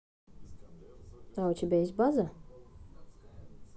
а у тебя есть база